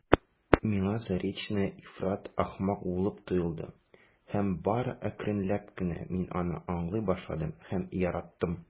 Миңа Заречная ифрат ахмак булып тоелды һәм бары әкренләп кенә мин аны аңлый башладым һәм яраттым.